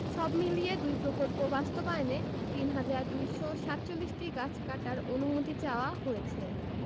সব মিলিয়ে দুই প্রকল্প বাস্তবায়নে ৩হাজার ২৪৭টি গাছ কাটার অনুমতি চাওয়া হয়েছে